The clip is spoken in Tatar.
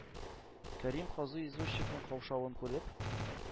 Кәрим казый, извозчикның каушавын күреп